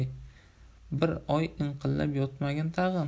bir oy inqillab yotmagin tag'in